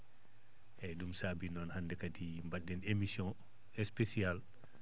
eeyi ɗum saabii noon hannde kadi mbaɗɗen émission spéciale